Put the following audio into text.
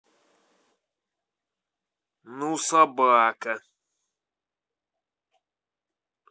ну собака